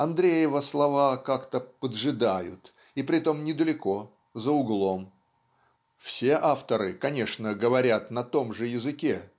Андреева слова как-то поджидают, и притом недалеко, за углом. Все авторы конечно говорят на том же языке